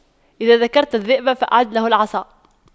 إذا ذكرت الذئب فأعد له العصا